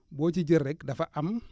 boo ci jël rek dafa am